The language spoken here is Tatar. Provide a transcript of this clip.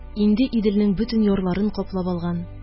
Инде Иделнең бөтен ярларын каплап алган